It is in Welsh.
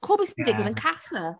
Co be sy 'di digwydd... ie ...yn Casa.